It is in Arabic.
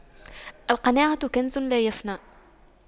القناعة كنز لا يفنى